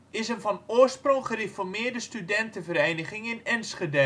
is een van oorsprong gereformeerde studentenvereniging in Enschede. De